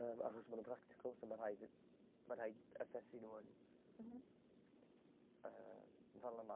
Yym achos mae nhw'n practical so ma' rhaid i... ma' rhaid asesu nhw yn yym fel yma.